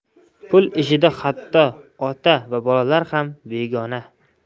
pul ishida hatto ota va bolalar ham begona